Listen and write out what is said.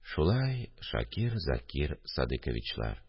– шулай, шакир, закир садыйковичлар